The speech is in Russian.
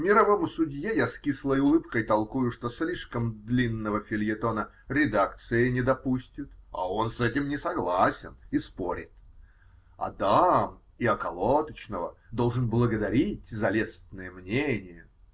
мировому судье я с кислой улыбкой толкую, что слишком длинного фельетона редакция не допустит (а он с этим не согласен и спорит), а дам и околоточного должен благодарить за лестное мнение.